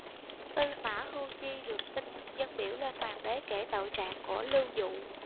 tư mã hưu chi được tin dâng biểu lên hoàng đế kể tội trạng của lưu dụ